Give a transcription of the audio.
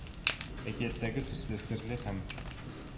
Әкиятләрдәге төсле серле һәм